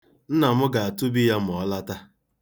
Nna m ga-atụbi ya ma ọ lọta.